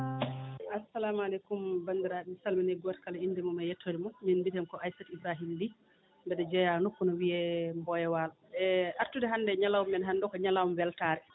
assalamalekum banndiraaɓe mi salminii gooto kala innde mum e yettoode mum miin mbiyeteemi ko Aissata Ibrahima Ly mbeɗa jeyaa nokku ne wiyee Mboya Waalo e artude hannde e ñalawma men hannde oo ko ñalawma weltaare